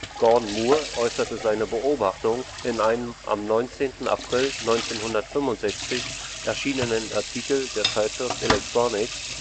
Gordon Moore äußerte seine Beobachtung in einem am 19. April 1965 erschienenen Artikel der Zeitschrift Electronics